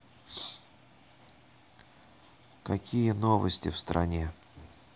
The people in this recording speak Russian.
какие новости в стране